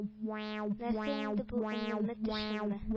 Нәрсә инде бу өнемме төшемме